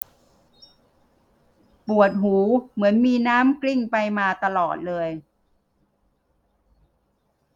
ปวดหูเหมือนมีน้ำกลิ้งไปมาตลอดเลย